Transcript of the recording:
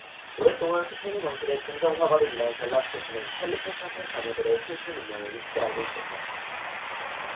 오랫동안 스페인 왕실의 궁정화가로 일한 벨라스케스는 펠리페 사 세 자녀들의 슬픈 운명을 익히 알고 있었다